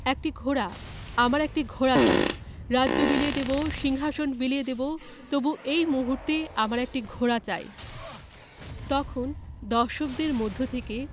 একটি ঘোড়া আমার একটি ঘোড়া চাই রাজ্য বিলিয়ে দেবো সিংহাশন বিলিয়ে দেবো তবু এই মুহূর্তে আমার একটি ঘোড়া চাই – তখন দর্শকদের মধ্য থেকে